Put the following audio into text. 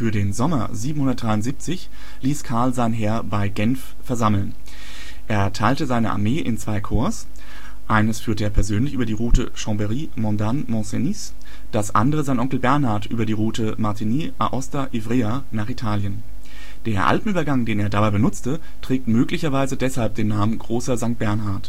den Sommer 773 ließ Karl sein Heer bei Genf versammeln. Hier teilte er seine Armee in zwei Korps. Eines führte er persönlich über die Route Chambéry – Modane – Mont Cenis, das andere sein Onkel Bernhard über die Route Martigny – Aosta – Ivrea nach Italien. Der Alpenübergang, den er dabei benutzte, trägt möglicherweise deshalb den Namen Großer Sankt Bernhard